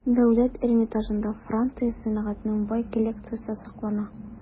Дәүләт Эрмитажында Франция сәнгатенең бай коллекциясе саклана.